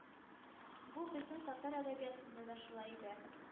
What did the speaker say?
Бу безнең татар әдәбиятында да шулай иде